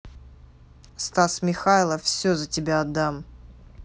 стас михайлов все за тебя отдам